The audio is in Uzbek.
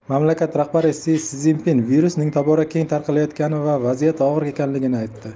mamlakat rahbari si szinpin virusning tobora keng tarqalayotgani va vaziyat og'ir ekanligini aytdi